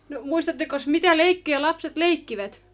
no muistattekos mitä leikkejä lapset leikkivät